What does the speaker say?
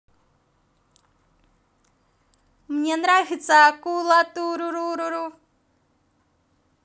мне нравится акула туруру